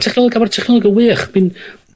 ...technoleg a ma'r technoleg yn wych